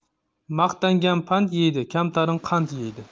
maqtangan pand yeydi kamtarin qand yeydi